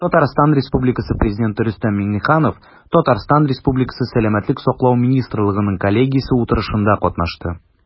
Татарстан Республикасы Президенты Рөстәм Миңнеханов ТР Сәламәтлек саклау министрлыгының коллегиясе утырышында катнашты.